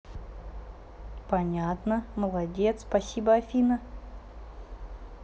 понятно молодец спасибо афина